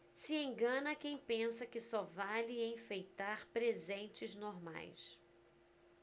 se engana quem pensa que só vale enfeitar presentes normais